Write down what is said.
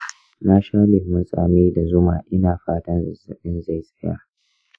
na sha lemun tsami da zuma ina fatan zazzabin zai tsaya.